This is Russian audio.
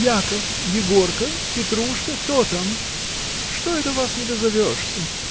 Яков, Егорка, Петрушка: кто там? Что это вас не дозовешься?